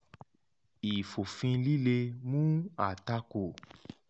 Ìfòfinlíle mú àtakò